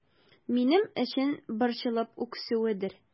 Минем өчен борчылып үксүедер...